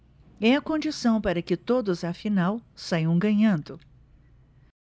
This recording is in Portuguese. é a condição para que todos afinal saiam ganhando